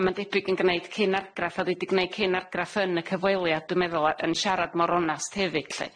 A ma'n debyg yn gneud cyn argraff oddi di gneud cyn argraff yn y cyfweliad dwi'n meddwl yy yn siarad mor onast hefyd lly.